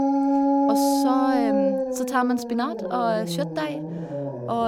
Og så så tar man spinat og kjøttdeig og og, ja, varmer tilbereder det.